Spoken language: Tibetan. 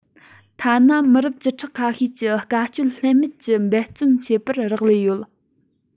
ཐ ན མི རབས བཅུ ཕྲག ཁ ཤས ཀྱིས དཀའ སྤྱད ལྷོད མེད ཀྱིས འབད བརྩོན བྱེད པར རག ལས ཡོད